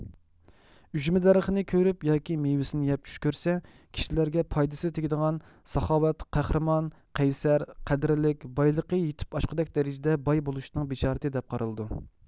ئۈژمە دەرىخىنى كۆرۈپ ياكى مېۋىسىنى يەپ چۈش كۆرسە كىشىلەرگە پايدىسى تېگىدىغان ساخاۋەتلىك قەھرىمان قەيسەر قەدرىلىك بايلىقى يېتىپ ئاشقۇدەك دەرىجىدە باي بولۇشنىڭ بىشارىتى دەپ قارىلىدۇ